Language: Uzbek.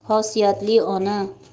xosiyatli ona